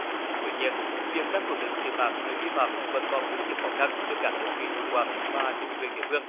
tuy nhiên việc ra quyết định xử phạt người vi phạm vẫn còn rất nhiều khó khăn từ các đơn vị chủ quản và chính quyền địa phương